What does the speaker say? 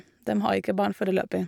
Dem har ikke barn foreløpig.